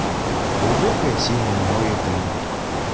глубокое синее море три